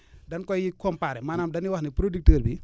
dañu koy comparer maanaam dañuy wax ne producteur bi